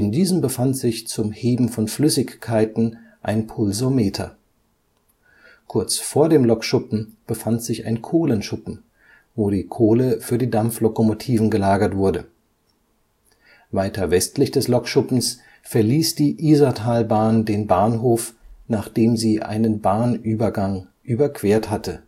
diesem befand sich zum Heben von Flüssigkeiten ein Pulsometer. Kurz vor dem Lokschuppen befand sich ein Kohlenschuppen, wo die Kohle für die Dampflokomotiven gelagert wurde. Weiter westlich des Lokschuppens verließ die Isartalbahn den Bahnhof, nachdem sie einen Bahnübergang überquert hatte